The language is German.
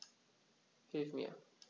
Hilf mir!